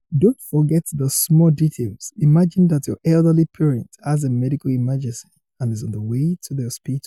Don't forget the small details: Imagine that your elderly parent has a medical emergency and is on the way to the hospital.